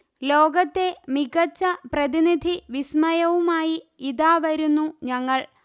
ലോകത്തെ മികച്ച പ്രതിനിധി വിസ്മയവുമായി ഇതാ വരുന്നു ഞങ്ങൾ